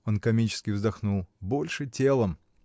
— он комически вздохнул, — больше телом.